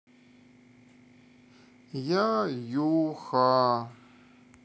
я ю ха